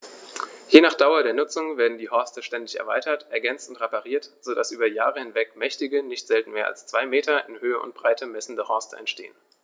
Je nach Dauer der Nutzung werden die Horste ständig erweitert, ergänzt und repariert, so dass über Jahre hinweg mächtige, nicht selten mehr als zwei Meter in Höhe und Breite messende Horste entstehen.